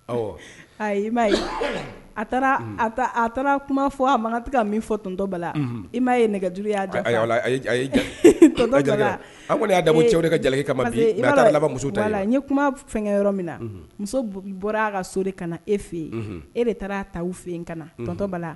Ɔ a taara a taara kuma fɔ a makanti ka min fɔ ttoba la i ma ye nɛgɛjuru' a y'a damu cɛ ka jeli kama i labanmuso la ye kuma fɛnkɛ yɔrɔ min na muso bɔra'a ka so de ka na e fɛ yen e de taara tawu fɛ yen ka nato la